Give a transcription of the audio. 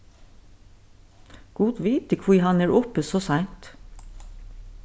gud viti hví hann er uppi so seint